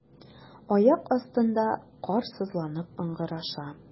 Аяк астында кар сызланып ыңгыраша.